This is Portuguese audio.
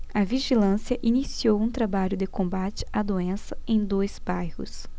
a vigilância iniciou um trabalho de combate à doença em dois bairros